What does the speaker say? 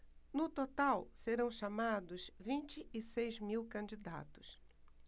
no total serão chamados vinte e seis mil candidatos